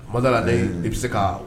N ma da la n'i bɛ se ka